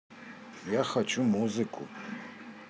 я хочу музыку